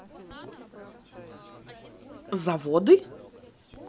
заводы